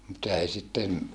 mutta se ei sitten